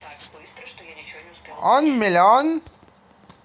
one million